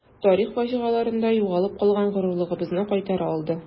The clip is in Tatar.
Тарих фаҗигаларында югалып калган горурлыгыбызны кайтара алды.